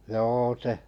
joo se